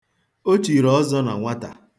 O chiri ọzọ na nwata.